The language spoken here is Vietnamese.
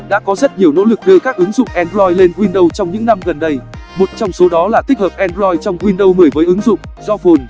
đã có rất nhiều nỗ lực đưa các ứng dụng android lên windows trong những năm gần đây một trong số đó là tích hợp android trong windows với ứng dụng your phone